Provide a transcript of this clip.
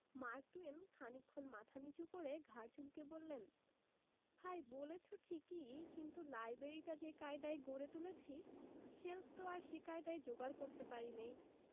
mark Twain খানিকক্ষণ মাথা নিচু করে ঘাড় চুলকে বললেন ভাই বলেছ ঠিকই কিন্তু লাইব্রেরিটা যে কায়দায় গড়ে তুলেছি শেলফ তো আর সে কায়দায় যোগাড় করতে পারি নে